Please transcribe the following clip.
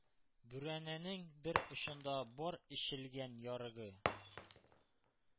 Бүрәнәнең бер очында бар эчелгән ярыгы,